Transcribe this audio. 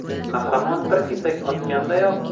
qahramon bir kesak otgandayoq